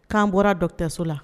K'an bɔra docteur so la!